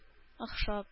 Охшап